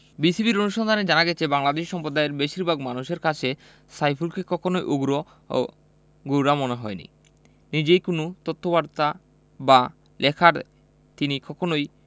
বিবিসির অনুসন্ধানে জানা গেছে বাংলাদেশি সম্প্রদায়ের বেশির ভাগ মানুষের কাছে সাইফুলকে কখনোই উগ্র বা গোঁড়া মনে হয়নি নিজেই কোনো তথ্য বার্তা বা লেখার তিনি কখনোই